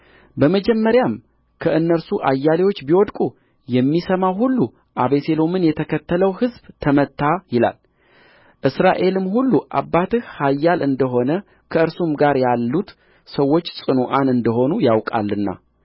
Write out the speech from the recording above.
በመጀመሪያም ከእነርሱ አያሌዎች ቢወድቁ የሚሰማው ሁሉ አቤሴሎምን የተከተለው ሕዝብ ተመታ ይላል እስራኤልም ሁሉ አባትህ ኃያል እንደ ሆነ ከእርሱም ጋር ያሉት ሰዎች ጽኑዓን እንደ ሆኑ ያውቃልና